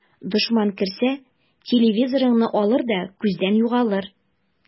Дошман керсә, телевизорыңны алыр да күздән югалыр.